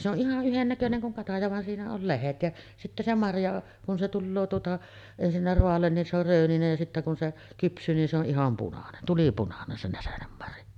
se on ihan yhdennäköinen kuin kataja vaan siinä oli lehdet ja sitten se marja kun se tulee tuota ensinnä raa'alle niin se on rööninen ja sitten kun se kypsyy niin se on ihan punainen tulipunainen se näsenenmarja